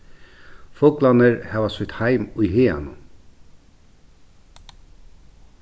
fuglarnir hava sítt heim í haganum